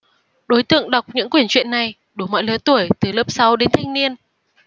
đối tượng đọc những quyển truyện này đủ mọi lứa tuổi từ lớp sáu đến thanh niên